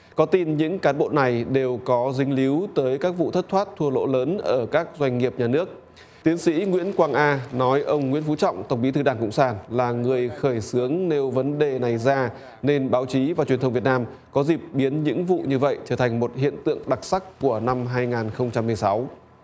có tin những cán bộ này đều có dính líu tới các vụ thất thoát thua lỗ lớn ở các doanh nghiệp nhà nước tiến sĩ nguyễn quang a nói ông nguyễn phú trọng tổng bí thư đảng cộng sản là người khởi xướng nêu vấn đề này ra nên báo chí và truyền thông việt nam có dịp biến những vụ như vậy trở thành một hiện tượng đặc sắc của năm hai ngàn không trăm linh sáu